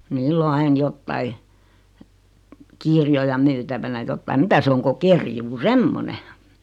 niillä on aina jotakin kirjoja myytävänä jotakin mitä se on kuin kerjuu semmoinen